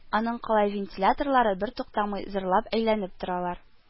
Аның калай вентиляторлары бертуктамый зыр-лап әйләнеп торалар